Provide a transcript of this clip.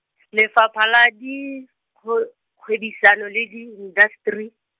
Lefapha la Dikgwe- -gwedisano le Diintaseteri.